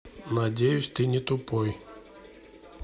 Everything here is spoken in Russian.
надеюсь ты не тупой